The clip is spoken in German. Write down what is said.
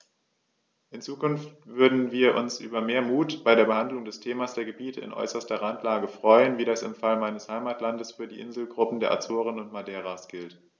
In Zukunft würden wir uns über mehr Mut bei der Behandlung des Themas der Gebiete in äußerster Randlage freuen, wie das im Fall meines Heimatlandes für die Inselgruppen der Azoren und Madeiras gilt.